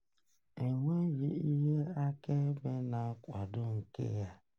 E nweghị ihe akaebe na-akwado nke a.